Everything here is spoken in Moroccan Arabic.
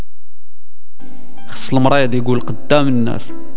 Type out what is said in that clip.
المريض يقول قدام الناس